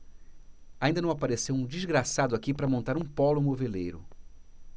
ainda não apareceu um desgraçado aqui para montar um pólo moveleiro